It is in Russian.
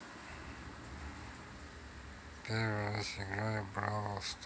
первый раз играю в бравл старс